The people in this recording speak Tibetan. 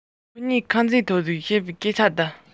ངས ཁོའི སྐད ཆ འདི དག ཉན པ ནས